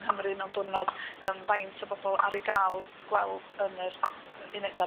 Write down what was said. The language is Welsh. Nghymru mewn diwrnod yym faint o bobol ar eu gael i gweld yn yr yy uneda